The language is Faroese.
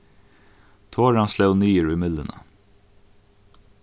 toran sló niður í mylluna